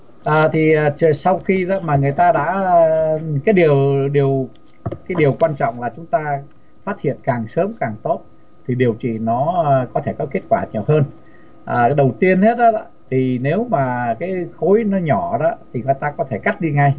ờ thì sau khi đó mà người ta đã cái điều điều cái điều quan trọng là chúng ta phát hiện càng sớm càng tốt để điều trị nó có thể có kết quả nhiều hơn à đầu tiên hết á thì nếu mà cái khối nó nhỏ đó thì người ta có thể cắt đi ngay